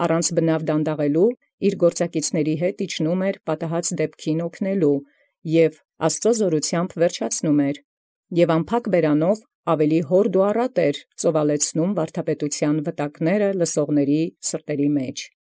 Առանց իրիք զբաղելոյ՝ հանդերձ գործակցաւք իջեալ ի թիկունս դիպացն պատահելոց, և վճարեալ զաւրութեամբն Աստուծոյ, և յորդորագոյնս և պարարտագոյնս և անփակ բերանով՝ զվտակս վարդապետութեանն ի սիրտս լսողացն ծաւալեցուցանէր։